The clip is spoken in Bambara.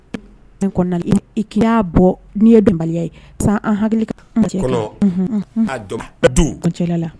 I bɔi yeya an hakili la